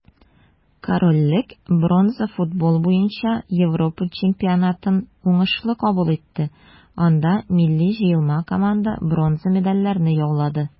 Корольлек бронза футбол буенча Европа чемпионатын уңышлы кабул итте, анда милли җыелма команда бронза медальләрне яулады.